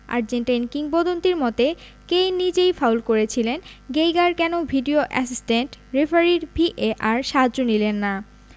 Argentine কিংবদন্তির মতে Kane নিজেই ফাউল করেছিলেন গেইগার কেন ভিডিও অ্যাসিস্ট্যান্ট রেফারির ভিএআর সাহায্য নিলেন না